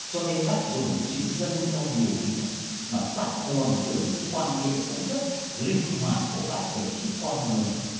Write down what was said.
cho nên bác dùng chữ dân theo nhiều nghĩa mà bắt nguồn từ một cái quan niệm cũng rất linh hoạt của bác về chữ con người